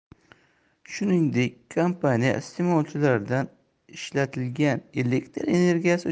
shuningdek kompaniya iste'molchilardan ishlatilgan elektr energiyasi